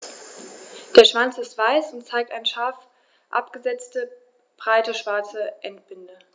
Der Schwanz ist weiß und zeigt eine scharf abgesetzte, breite schwarze Endbinde.